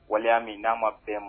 Waleya min n'a ma bɛn m